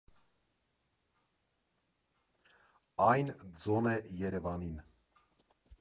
Այն ձոն է Երևանին։